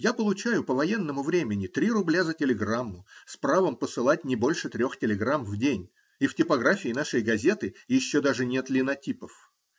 Я получаю по военному времени три рубля за телеграмму с правом посылать не больше трех телеграмм в день, и в типографии нашей газеты еще даже нет линотипов!